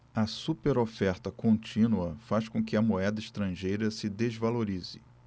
a superoferta contínua faz com que a moeda estrangeira se desvalorize